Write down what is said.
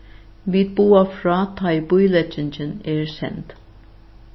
vit boða frá tá ið bíleggingin er send